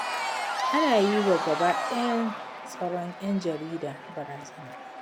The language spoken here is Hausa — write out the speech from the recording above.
Ana yi wa gaba ɗayan tsaron yan jarida barazana.